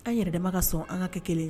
An yɛrɛdamama ka sɔn an ka kɛ kelen